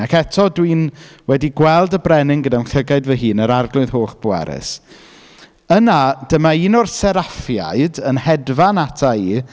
Ac eto, dwi’n... "Wedi gweld y brenin gyda'n llygaid fy hun, yr arglwydd holl-bwerus. Yna, dyma un o'r seraffiaid yn hedfan ata i..."